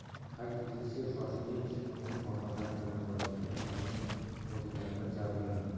qayd etilishicha shoshilinch qo'nish muvaffaqiyatli amalga oshirilgan samolyot bortidagilar jabrlanmagan